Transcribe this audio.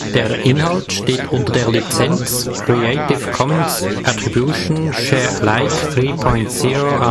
Der Inhalt steht unter der Lizenz Creative Commons Attribution Share Alike 3 Punkt 0 Unported